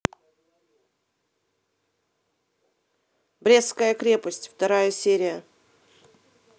брестская крепость вторая серия